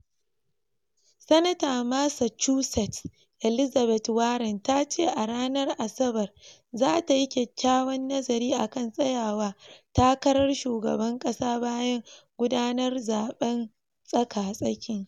Sanatar Massachusetts Elizabeth Warren ta ce a ranar Asabar za ta yi "kyakkyawan nazari’’ akan tsayawar ta takarar Shugaban kasa bayan gudanar zaben tsaka-tsaki.